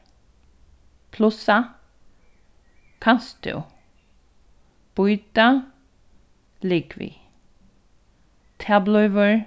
plussa kanst tú býta ligvið tað blívur